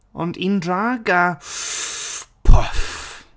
Ond un drag a pwff.